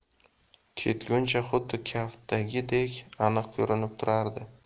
ketguncha xuddi kaftdagidek aniq ko'rinib turardi